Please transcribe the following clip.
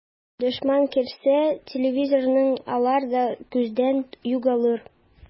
Дошман керсә, телевизорыңны алыр да күздән югалыр.